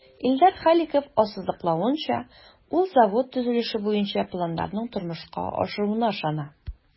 Илдар Халиков ассызыклавынча, ул завод төзелеше буенча планнарның тормышка ашуына ышана.